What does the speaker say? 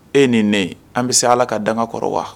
E ni ne an bɛ se ala ka danga kɔrɔ wa